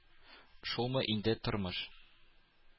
Шулмы инде тормыш!